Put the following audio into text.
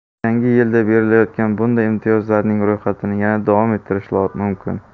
yangi yilda beriladigan bunday imtiyozlarning ro'yxatini yana davom ettirish mumkin